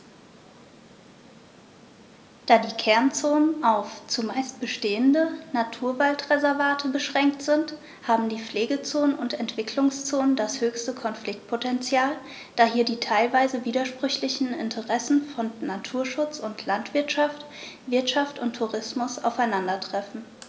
Da die Kernzonen auf – zumeist bestehende – Naturwaldreservate beschränkt sind, haben die Pflegezonen und Entwicklungszonen das höchste Konfliktpotential, da hier die teilweise widersprüchlichen Interessen von Naturschutz und Landwirtschaft, Wirtschaft und Tourismus aufeinandertreffen.